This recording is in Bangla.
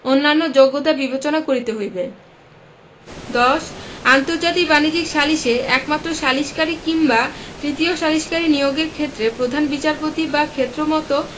অন্যান্য যোগ্যতা বিবেচনা করিতে হইবে ১০ আন্তর্জাতিক বাণিজ্যিক সালিসে একমাত্র সালিসকারী কিংবা তৃতীয় সালিসকারী নিয়োগের ক্ষেত্রে প্রধান বিচারপতি বা ক্ষেত্রমত